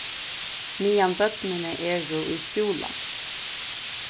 meðan børnini eru í skúla